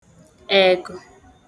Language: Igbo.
ẹgụ